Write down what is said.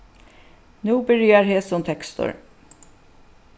nú byrjar hesin tekstur